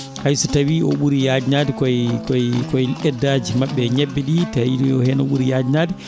hay so tawi ɓuuri yajnade koyi koyi koyi eddaji mabɓe ñebbe ɗi tawi o hen o ɓuuri yajnade